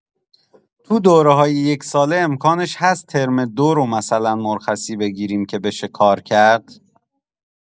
توی دوره‌های یک‌ساله امکانش هست ترم ۲ رو مثلا مرخصی بگیریم که بشه کار کرد؟